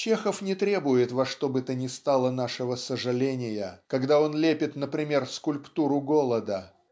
Чехов не требует во что бы то ни стало нашего сожаления когда он лепит например скульптуру голода